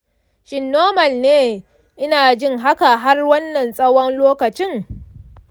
shin nomal ne ina jin haka har wannan tsawon lokacin?